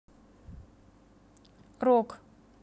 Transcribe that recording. рок